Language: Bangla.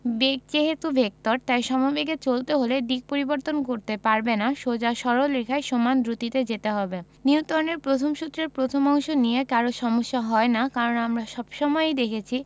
বেগ যেহেতু ভেক্টর তাই সমবেগে চলতে হলে দিক পরিবর্তন করতে পারবে না সোজা সরল রেখায় সমান দ্রুতিতে যেতে হবে নিউটনের প্রথম সূত্রের প্রথম অংশ নিয়ে কারো সমস্যা হয় না কারণ আমরা সব সময়ই দেখেছি